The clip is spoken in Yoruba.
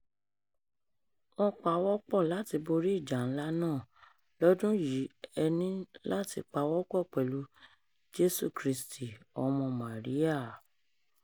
Wọ́n pawọ́pọ̀ láti borí ìjà ńlá náà... lọ́dún yìí ẹ ní láti pawọ́pọ̀ pẹ̀lú Jésù Kristì ọmọ Màríà